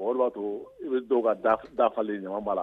To i bɛ ka dafafali ɲamakala b'a la